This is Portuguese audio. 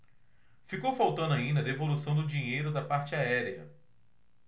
ficou faltando ainda a devolução do dinheiro da parte aérea